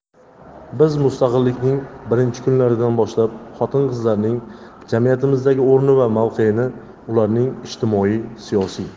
biz mustaqillikning birinchi kunlaridan boshlab xotin qizlarning jamiyatimizdagi o'rni va mavqeini ularning ijtimoiy siyosiy